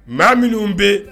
Mɛ minnu bɛ